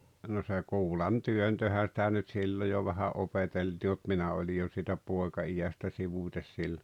no se kuulantyöntöhän sitä nyt silloin jo vähän opeteltiin mutta minä olin jo siitä poikaiästä sivuten silloin